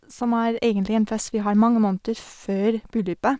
Som er egentlig en fest vi har mange måneder før bryllupet.